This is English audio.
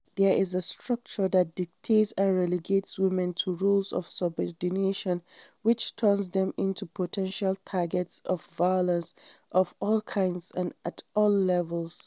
There is a structure that dictates and relegates women to roles of subordination which turns them into potential targets of violence of all kinds and at all levels.